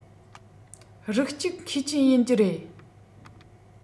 རིགས གཅིག མཁས ཅན ཡིན གྱི རེད